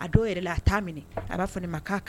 A dɔw yɛrɛ la a' minɛ a b'a fɔ ma kan